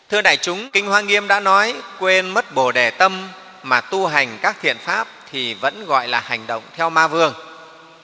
thưa đại chúng kinh hoa nghiêm đã nói quên mất bồ đề tâm mà tu hành các thiện pháp thì vẫn gọi là hành động theo ma vương